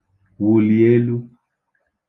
wụ̀lì elu